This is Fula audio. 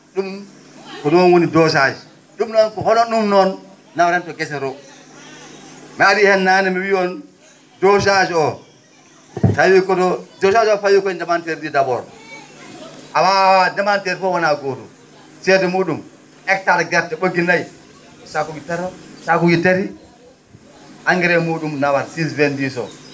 ?um ko ?o woni dosage ?um noon ko hono ?um noon nawata en to gese to mbadi hay naane mi wiyii on dosage oo fawii koto dosage fawi koye ndemanteeri ndii d' abord a waawaa ndemanteeri fof wonaa gootum seede mu?um hectare gerte ?oggi nayi saakuji tati tan sakuuji tati engrais muu?um nawata 6 20 10 o